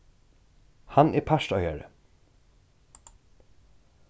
hann er partaeigari